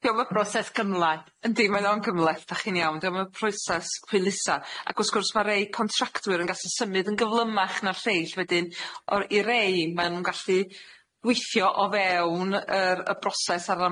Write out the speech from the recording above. Di o'm yn proses gymlath, yndi mae o'n gymleth 'dach chi'n iawn di o'm y proses hwylusa, ac wrth gwrs ma' rei contractwyr yn gallu symud yn gyflymach na'r lleill wedyn o'r, i rei ma' nw'n gallu weithio o fewn yr y broses ar yr